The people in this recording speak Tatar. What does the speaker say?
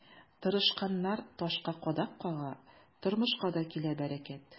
Тырышканнар ташка кадак кага, тормышка да килә бәрәкәт.